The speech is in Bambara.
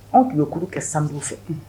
Aw tun ye kuru kɛ san fɛ